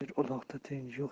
eri uloqda tengi yo'q